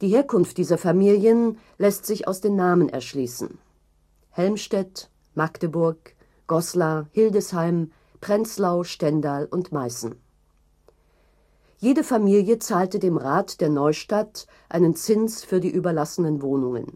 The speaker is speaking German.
Herkunft dieser Familien lässt sich aus den Namen erschließen: Helmstedt, Magdeburg, Goslar, Hildesheim, Prenzlau, Stendal und Meißen. Jede Familie zahlte dem Rat der Neustadt einen Zins für die überlassenen Wohnungen